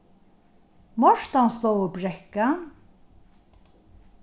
mortansstovubrekka